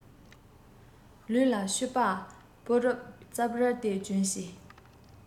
ལུས ལ ཕྱུ པ སྤུ རུབ རྩབ རལ དེ གྱོན བྱས